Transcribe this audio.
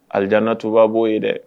Aliana tubabu'o ye dɛ